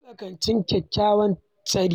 Matsakaicin kyakkyawan tsari.